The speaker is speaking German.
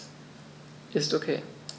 Ist OK.